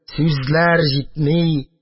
Сүзләр җитми: